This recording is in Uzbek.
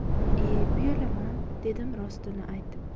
e uyalaman dedim rostini aytib